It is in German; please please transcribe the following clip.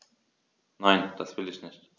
Nein, das will ich nicht.